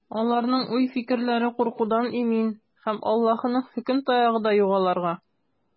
Аларның уй-фикерләре куркудан имин, һәм Аллаһының хөкем таягы да юк аларга.